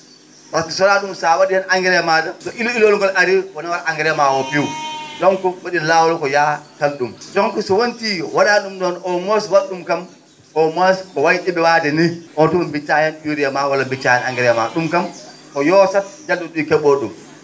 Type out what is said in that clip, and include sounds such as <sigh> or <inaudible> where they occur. pasque so wonaa ?um so a wa?ii heen engrais ma?a so ilol ngol arii ngol nawat engrais maa oo piiw donc <noise> wa?i laawol ko yo a tal ?um donc so wontii wona ?um ?oon au moins waat ?um kam au moins ko way irlade ni on tuma biccaa heen UREE ma walla biccaa heen engrais ma ?um kam o yoosat jallu?i ?i ke?oo dow